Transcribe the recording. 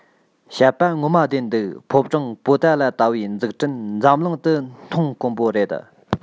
བཤད པ ངོ མ བདེན འདུག ཕོ བྲང པོ ཏ ལ ལྟ བུའི འཛུགས སྐྲུན འཛམ གླིང དུ མཐོང དཀོན པོ རེད